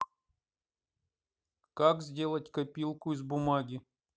как сделать копилку из бумаги